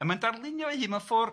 ...a mae'n darlunio ei hun mewn ffordd